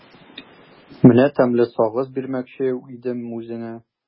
Менә тәмле сагыз бирмәкче идем үзеңә.